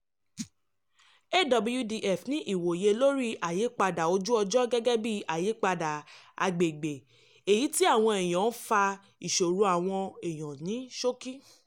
AWDF ní ìwòyè lórí ayípadà ojú-ọjọ́ gẹ́gẹ́ bíi àyípadà agbègbè, èyí tí àwọn èèyàn ń fà—ìṣòrò àwọn èèyàn ní ṣókí.